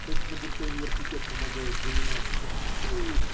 Точно будто университет помогает заниматься. Тю!